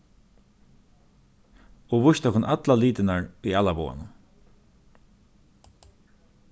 og víst okkum allar litirnar í ælaboganum